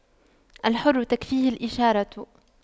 الحر تكفيه الإشارة